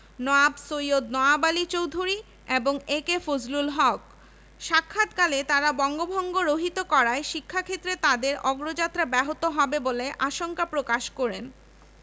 নওয়াব সৈয়দ নওয়াব আলী চৌধুরী এবং এ.কে ফজলুল হক সাক্ষাৎকালে তাঁরা বঙ্গভঙ্গ রহিত করায় শিক্ষাক্ষেত্রে তাদের অগ্রযাত্রা ব্যাহত হবে বলে আশঙ্কা প্রকাশ করেন